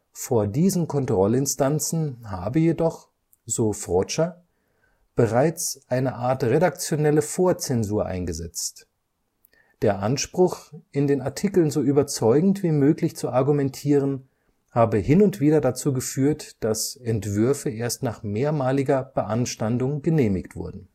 Vor diesen Kontrollinstanzen habe jedoch, so Frotscher, bereits eine Art redaktionelle Vorzensur eingesetzt: Der Anspruch, in den Artikeln so überzeugend wie möglich zu argumentieren, habe hin und wieder dazu geführt, dass Entwürfe erst nach mehrmaliger Beanstandung genehmigt wurden